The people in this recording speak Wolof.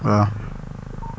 waaw